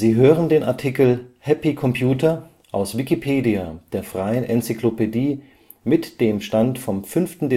hören den Artikel Happy Computer, aus Wikipedia, der freien Enzyklopädie. Mit dem Stand vom Der